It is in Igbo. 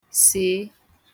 sèe